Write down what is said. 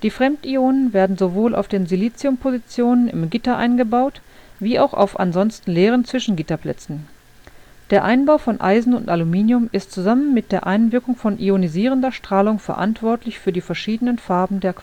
Fremdionen werden sowohl auf den Si-Positionen im Gitter eingebaut wie auch auf ansonsten leeren Zwischengitterplätzen. Der Einbau von Eisen und Aluminium ist zusammen mit der Einwirkung von ionisierender Strahlung verantwortlich für die verschiedenen Farben der